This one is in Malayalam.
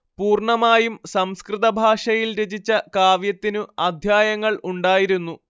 പൂർണ്ണമായും സംസ്കൃതഭാഷയിൽ രചിച്ച കാവ്യത്തിനു അദ്ധ്യായങ്ങൾ ഉണ്ടായിരുന്നു